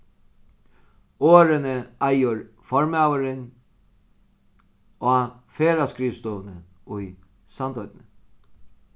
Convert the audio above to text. orðini eigur formaðurin á ferðaskrivstovuni í sandoynni